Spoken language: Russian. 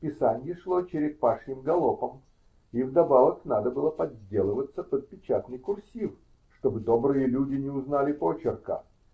писанье шло черепашьим галопом, и вдобавок надо было подделываться под печатный курсив, чтобы добрые люди не узнали почерка